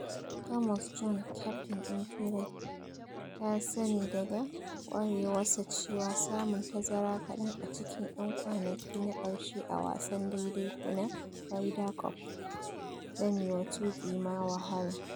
Thomas Bjorn, kyaftin din Turai, ya sani daga kwarewa sa cewa samun tazara kadan a cikin 'yan kwanaki na karshe a wasan daidaiku na Ryder Cup zamewa tuki ma wahala.